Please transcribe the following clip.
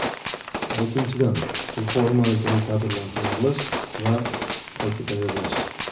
oltinchidan yuqori malakali kadrlarni tayyorlash va qayta tayyorlash